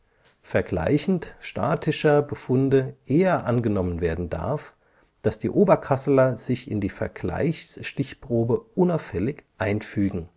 vergleichend-statischer Befunde eher angenommen werden darf, daß die Oberkasseler sich in die Vergleichsstichprobe unauffällig einfügen